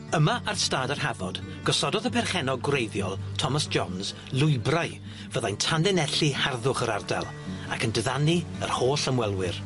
Yma ar stad yr Hafod gosododd y perchennog gwreiddiol Thomas Johns lwybrau fyddai'n tanlinelli harddwch yr ardal, ac yn diddanu yr holl ymwelwyr.